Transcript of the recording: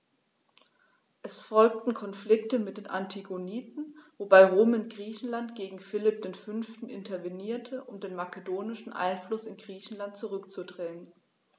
Es folgten Konflikte mit den Antigoniden, wobei Rom in Griechenland gegen Philipp V. intervenierte, um den makedonischen Einfluss in Griechenland zurückzudrängen.